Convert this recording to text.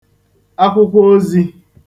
akwụkwọozī